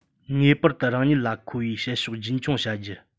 ངེས པར དུ རང ཉིད ལ མཁོ བའི བྱེད ཕྱོགས རྒྱུན འཁྱོངས བྱ རྒྱུ